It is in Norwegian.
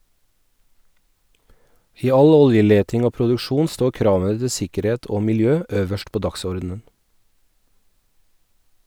I all oljeleting og -produksjon står kravene til sikkerhet og miljø øverst på dagsordenen.